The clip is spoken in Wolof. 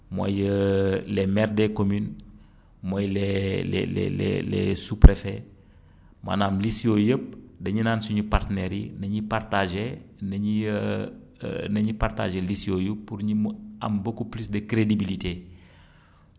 mooy les maires des communes mooy les les les les les sous préfet maanaam liste yooyu yépp dañu naan suñuy partenaires yi na ñuy partagé na ñuy na ñuy partagé liste yooyu pour ñi më am beaucoup plus de crédibilité